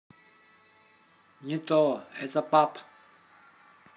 не то это пап